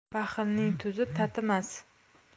baxilning tuzi tatimas